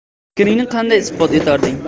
fikringni qanday isbot etarding